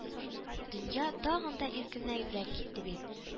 Дөнья тагын да иркенәебрәк китте бит